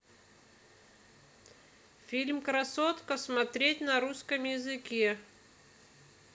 фильм красотка смотреть на русском языке